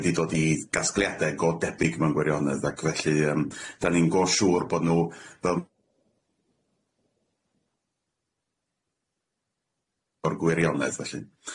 wedi dod i gasgliade go debyg mewn gwirionedd ac felly yym da ni'n go' siŵr bo' nw fel o'r gwirionedd felly.